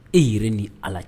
E yɛrɛ ni ala cɛ